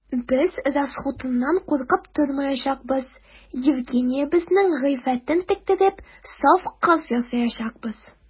Без расхутыннан куркып тормаячакбыз: Евгениябезнең гыйффәтен тектереп, саф кыз ясаячакбыз.